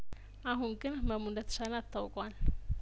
አሁን ግን ህመሙ እንደተሻላት ታውቋል